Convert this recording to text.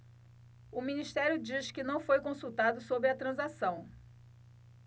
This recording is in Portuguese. o ministério diz que não foi consultado sobre a transação